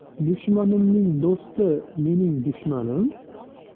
dushjmanimning do'sti mening dushmanim